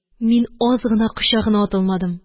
Мин аз гына кочагына атылмадым